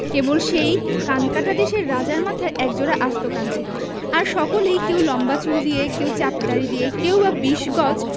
কেবল সেই কানকাটা দেশের রাজার মাথায় একজোড়া আস্ত কান ছিল আর সকলেই কেউ লম্বা চুল দিয়ে কেউ চাপ দাড়ি দিয়ে কেউ বা বিশ গজ